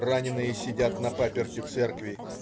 Раненые сидят на паперти церкви.